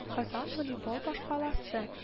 Казан – волейбол башкаласы